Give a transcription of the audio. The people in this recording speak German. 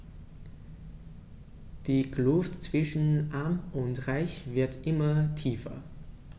Die Kluft zwischen Arm und Reich wird immer tiefer.